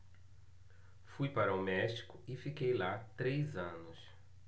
fui para o méxico e fiquei lá três anos